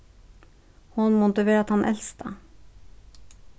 hon mundi vera tann elsta